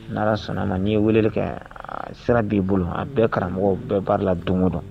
N' ala sɔnn'a ma n'i ye weeleli kɛ, sira b'i bolo, a bɛɛ karamɔgɔw u bɛ baara la don o don.